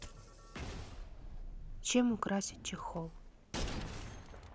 чем украсить чехол